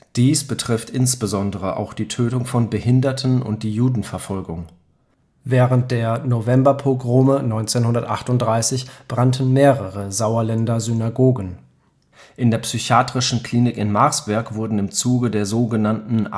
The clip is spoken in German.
Dies betrifft insbesondere auch die Tötung von Behinderten und die Judenverfolgung. Während der Novemberpogrome 1938 brannten mehrere Sauerländer Synagogen. In der psychiatrischen Klinik in Marsberg wurden im Zuge der sogenannten